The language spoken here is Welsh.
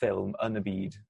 ffilm yn y byd.